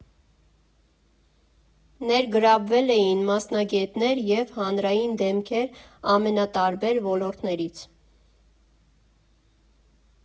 Ներգրավվել էին մասնագետներ և հանրային դեմքեր ամենատարբեր ոլորտներից։